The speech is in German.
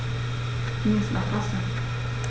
Mir ist nach Pasta.